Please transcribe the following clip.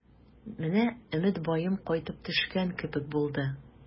Менә Өметбаем кайтып төшкән кебек булды.